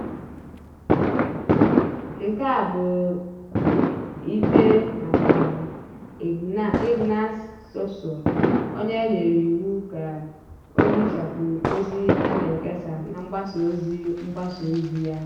Nke a bụ ikpe maka Ignace Sossou, onye e nyere iwu ka ọ ihichapụ ozi a na-ekesa na mgbasa ozi mgbasa ozi ya.